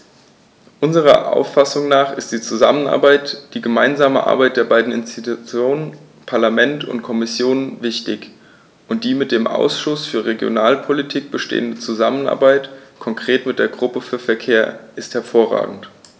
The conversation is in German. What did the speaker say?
Unserer Auffassung nach ist die Zusammenarbeit, die gemeinsame Arbeit der beiden Institutionen - Parlament und Kommission - wichtig, und die mit dem Ausschuss für Regionalpolitik bestehende Zusammenarbeit, konkret mit der Gruppe für Verkehr, ist hervorragend.